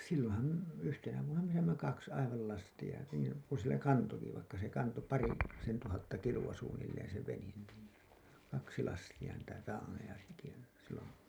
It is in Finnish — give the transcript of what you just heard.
silloinhan yhtenä vuonna me saimme kaksi aivan lastia niin kun sillä kantoikin vaikka se kantoi - parisen tuhatta kiloa suunnilleen se vene niin kaksi lastia niitä traaneja sekin silloin